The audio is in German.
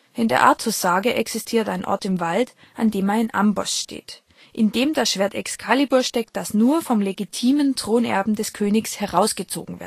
der Artus-Sage ist dies ein Ort im Wald, an dem ein Amboss steht, in dem das Schwert Excalibur steckt, das nur vom legitimen Thronerben des Königs herausgezogen